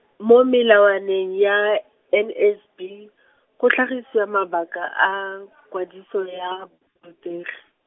mo melawaneng ya, N S B , go tlhagisiwa mabaka a , kwadiso ya , rutegi.